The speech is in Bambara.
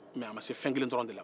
mɛ a ma se fɛn kelen dɔrɔn de la